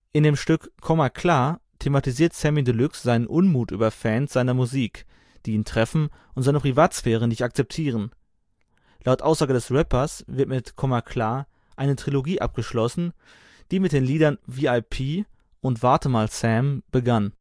In dem Stück Komma klar thematisiert Samy Deluxe seinen Unmut über Fans seiner Musik, die ihn treffen und seine Privatsphäre nicht akzeptieren. Laut Aussage des Rappers wird mit Komma klar eine Trilogie abgeschlossen, die mit den Liedern V.I.P. und Warte mal Sam begann